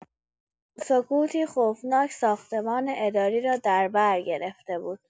سکوتی خوف‌ناک ساختمان اداری را در بر گرفته بود.